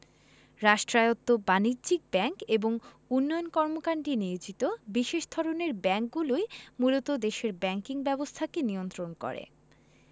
রাষ্ট্রায়ত্ত বাণিজ্যিক ব্যাংক এবং উন্নয়ন কর্মকান্ডে নিয়োজিত বিশেষ ধরনের ব্যাংকগুলোই মূলত দেশের ব্যাংকিং ব্যবস্থাকে নিয়ন্ত্রণ করে